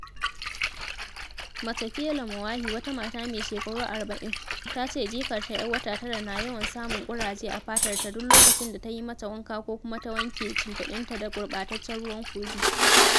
Matokelo Moahi, wata mata mai shekaru 40, ta ce jikarta 'yar wata tara na yawan samun ƙuraje a fatar ta duk lokacin da ta yi mata wanka ko kuma ta wanke shimfiɗinta da gurɓataccen ruwan kogi.